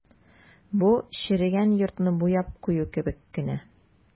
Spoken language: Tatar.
Бу черегән йортны буяп кую кебек кенә.